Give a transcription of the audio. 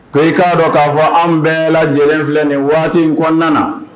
Ko i k'a dɔn k'a fɔ an bɛɛ lajɛlen filɛ nin waati in kɔnɔna na